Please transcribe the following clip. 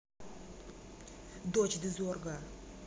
дочь дезорга